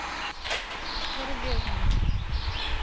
зарубежные